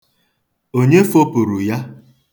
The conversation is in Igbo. Onye fopụrụ ya?